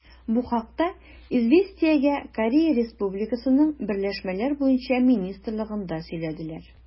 Бу хакта «Известия»гә Корея Республикасының берләшмәләр буенча министрлыгында сөйләделәр.